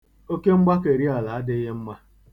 Oke mgbakeriala adịghị mma.